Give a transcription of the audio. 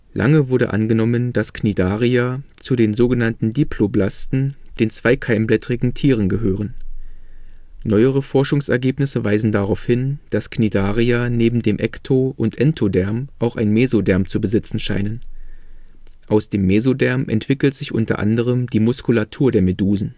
Lange wurde angenommen, dass Cnidarier zu den sogenannten Diploblasten, den zweikeimblättrigen Tieren gehören. Neuere Forschungsergebnisse weisen darauf hin, dass Cnidarier neben dem Ekto - und Entoderm auch ein Mesoderm zu besitzen scheinen. Aus dem Mesoderm entwickelt sich unter anderem die Muskulatur der Medusen